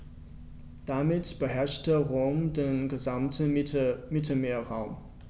Damit beherrschte Rom den gesamten Mittelmeerraum.